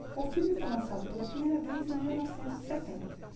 o filme foi lançado pela primeira vez em mil novecentos e setenta